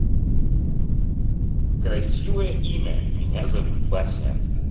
красивое имя меня зовут бася